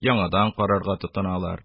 Яңадан карарга тотыналар...